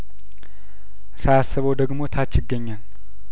ሳያስ በው ደግሞ ታች ይገኛል